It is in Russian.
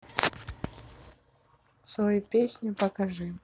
цой песню покажи